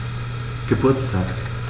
Geburtstag